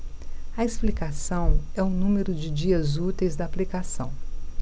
a explicação é o número de dias úteis da aplicação